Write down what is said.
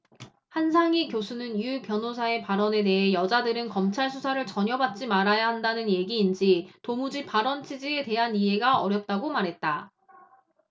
한상희 교수는 유 변호사의 발언에 대해 여자들은 검찰수사를 전혀 받지 말아야 한다는 얘기인지 도무지 발언 취지에 대한 이해가 어렵다고 말했다